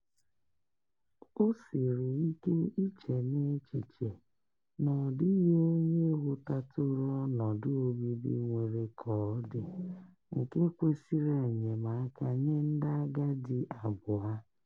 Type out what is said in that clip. O siri ike iche n'echiche na ọ dịghị onye hụtatụrụ ọnọdụ obibi nwere ka ọ dị nke kwesịrị enyemaka nye ndị agadi abụọ.